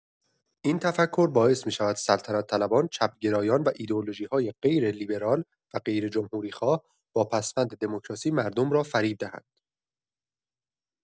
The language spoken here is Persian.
این تفکر باعث می‌شود سلطنت طلبان، چپ گرایان و ایدئولوژی‌های غیر لیبرال و غیر جمهوری‌خواه با پسوند دموکراسی، مردم را فریب دهند.